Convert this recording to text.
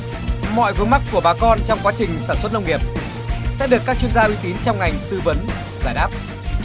mọi vướng mắc của bà con trong quá trình sản xuất nông nghiệp sẽ được các chuyên gia uy tín trong ngành tư vấn giải đáp